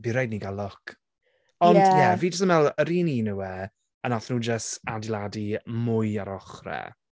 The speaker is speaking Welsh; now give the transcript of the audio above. Bydd raid i ni gael look. Ond... ie ...ie fi jyst yn meddwl yr un un yw a wnaethon nhw jyst adeiladu mwy ar yr ochrau.